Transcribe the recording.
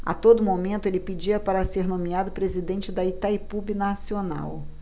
a todo momento ele pedia para ser nomeado presidente de itaipu binacional